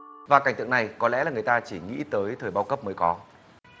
và cảnh tượng này có lẽ là người ta chỉ nghĩ tới thời bao cấp mới có